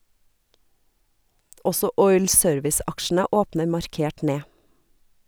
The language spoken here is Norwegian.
Også oil service-aksjene åpner markert ned.